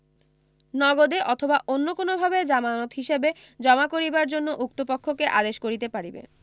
নগদে অথবা অন্য কোনভাবে জামানত হিসাবে জমা করিবার জন্য উক্ত পক্ষকে আদেশ করিতে পারিবে